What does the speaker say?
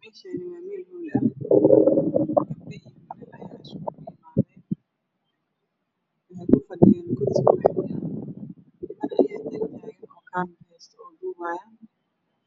Meeshaani waa meel hool ah gabdho iyo wiilal ayaa iskugu imaaday. Waxay kufadhiyaan kursi dahabi ah niman ayaa taagtaagan oo kamiro heysto oo duubayo.